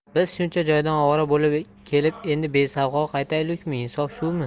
biz shuncha joydan ovora bo'lib kelib endi besavg'o qaytaylukmi insof shumi